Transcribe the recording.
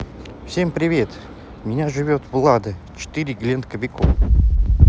всем привет меня живет влада четыре глент кобяков